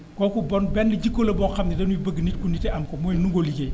kooku bon benn jikko la boo xam ne dañuy bëgg nit ñu nite am ko muy nangoo liggéey